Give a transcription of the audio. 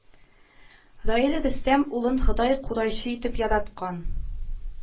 Раил Рөстәм улын Ходай курайчы итеп яраткан